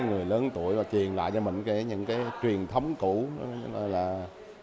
người lớn tuổi và truyền lại cho mình cái những cái truyền thống cũ là